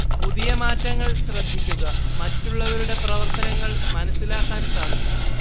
പുതിയ മാറ്റങ്ങൾ ശ്രദ്ധിക്കുക മറ്റുള്ളവരുടെ പ്രവർത്തനങ്ങൾ മനസിലാക്കാൻ സാധിക്കും